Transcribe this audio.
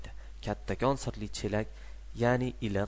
kattakon sirli chelak yani iliq